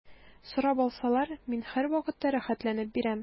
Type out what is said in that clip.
Сорап алсалар, мин һәрвакытта рәхәтләнеп бирәм.